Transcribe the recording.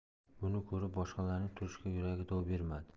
buni ko'rib boshqalarining turishga yuragi dov bermadi